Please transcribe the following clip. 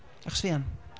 Achos fi yn.